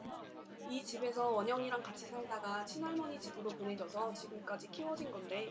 이 집에서 원영이랑 같이 살다가 친할머니 집으로 보내져서 지금까지 키워진 건데